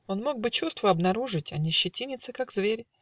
Он мог бы чувства обнаружить, А не щетиниться, как зверь